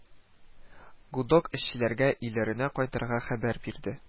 Гудок эшчеләргә өйләренә кайтырга хәбәр бирде